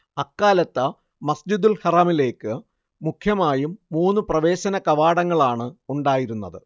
അക്കാലത്തു മസ്ജിദുൽ ഹറമിലേക്ക് മുഖ്യമായും മൂന്നു പ്രവേശന കവാടങ്ങളാണ് ഉണ്ടായിരുന്നത്